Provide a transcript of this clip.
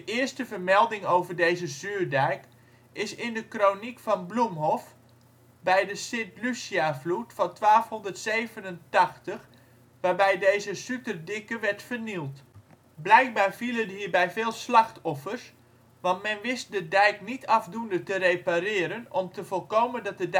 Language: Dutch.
eerste vermelding over deze Zuurdijk is in de kroniek van Bloemhof bij de Sint-Luciavloed van 1287, waarbij deze Suterdicke werd vernield. Blijkbaar vielen hierbij veel slachtoffers, want men wist de dijk niet afdoende te repareren om te voorkomen dat de